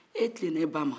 e tilenen i ba ma